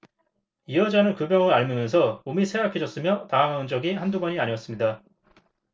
이 여자는 그 병을 앓으면서 몸이 쇠약해졌으며 당황한 적이 한두 번이 아니었습니다